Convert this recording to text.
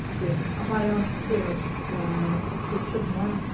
Yndy, ond mae o'n llyfr llyfr lluniau.